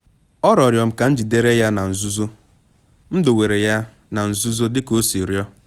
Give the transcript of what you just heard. “Ọ rịọrọ m ka m jidere ya na nzuzo, m dowere ya na nzuzo dị ka o si rịọ.”